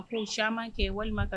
Ko caamanma kɛ, walima ka